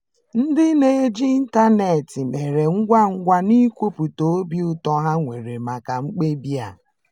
Ndị na-eji ịntaneetị mere ngwangwa n'ikwupụta obi ụtọ ha nwere maka mkpebi a.